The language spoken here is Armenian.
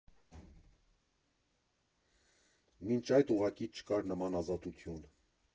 Մինչ այդ ուղղակի չկար նման ազատություն։